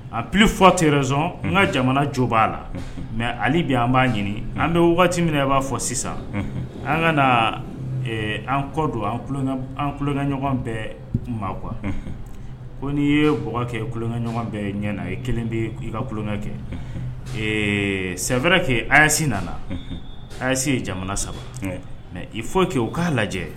A p fɔ tɛson n ka jamana jo b'a la mɛ bi an b'a ɲini an bɛ waati min a b'a fɔ sisan an ka an kɔ don ankɛɲɔgɔn bɛɛ ma kuwa ko n'i ye kɛ kolonkɛ ɲɔgɔn bɛɛ ɲɛ na ye kelen bɛ i ka kukɛ kɛ sɛɛrɛ ke ase nana ayise ye jamana saba mɛ i fɔ kɛ o k'a lajɛ